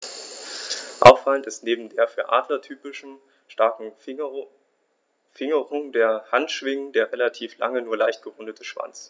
Auffallend ist neben der für Adler typischen starken Fingerung der Handschwingen der relativ lange, nur leicht gerundete Schwanz.